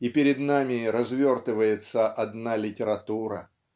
и перед нами развертывается одна литература.